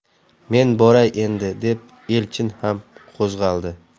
men boray endi deb elchin ham qo'zg'oldi